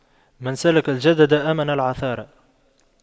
من سلك الجدد أمن العثار